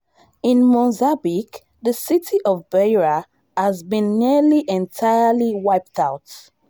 In Mozambique, the city of Beira has been nearly entirely wiped out.